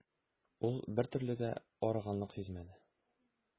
Ул бертөрле дә арыганлык сизмәде.